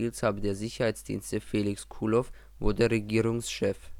Bakijew. Felix Kulow wurde Regierungschef